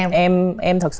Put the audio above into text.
em em em thực sự